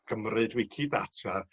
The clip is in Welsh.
cymryd wicidata